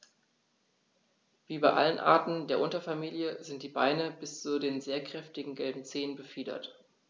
Wie bei allen Arten der Unterfamilie sind die Beine bis zu den sehr kräftigen gelben Zehen befiedert.